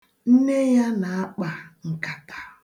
Nne ya na-akpa nkata.